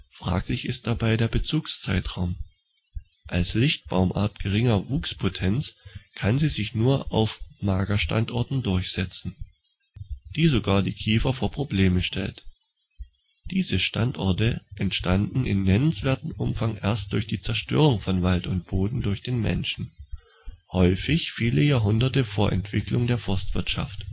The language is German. Fraglich ist dabei der Bezugszeitraum: als Lichtbaumart geringer Wuchspotenz kann sie sich nur auf Magerstandorten " durchsetzen ", die sogar die Kiefer vor Probleme stellt. Diese Standorte entstanden in nenneswertem Umfang erst durch Zerstörung von Wald und Boden durch den Menschen - häufig viele Jahrhunderte vor Entwicklung der Forstwirtschaft